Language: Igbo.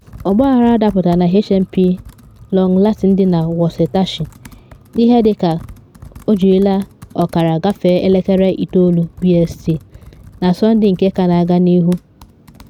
Ọgbaghara dapụtara na HMP Long Lartin dị na Worcestershire n’ihe dị ka 09:30 BST na Sọnde nke ka na aga n’ihu.